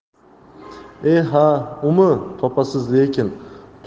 e ha umi topasiz lekin turdiali